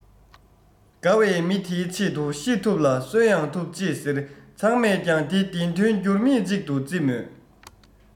དགའ བའི མི དེའི ཆེད དུ ཤི ཐུབ ལ གསོན ཡང ཐུབ ཅེས ཟེར ཚང མས ཀྱང དེ བདེན དོན འགྱུར མེད ཅིག ཏུ བརྩི མོད